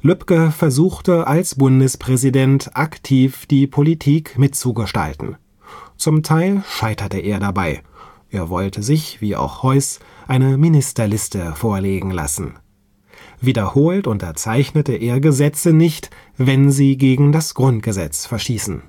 Lübke versuchte als Bundespräsident aktiv die Politik mitzugestalten. Zum Teil scheiterte er dabei (er wollte sich, wie auch Heuss, eine Ministerliste vorlegen lassen). Wiederholt unterzeichnete er Gesetze nicht, wenn sie gegen das Grundgesetz verstießen